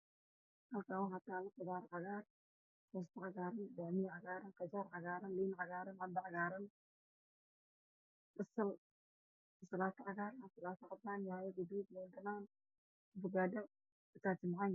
Halkaan waxaa taalo qudaar cagaaran, ansalaato cagaaran, koosto cagaar ah, baamiye cagaaran, qajaar cagaaran, cambe cagaar ah, basal, yaanyo gaduud, liin dhanaan.